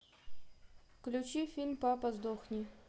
включи фильм папа сдохни